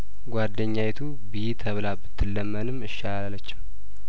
ጓደኛ ዪቱብ ዪ ተብላ ብትለመንም እሺ አላለችም